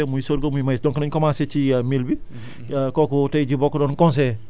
xoolal kii muy mil muy arachide muy ñebe muy sorgho muy maïs donc nañ commencé ci mil bi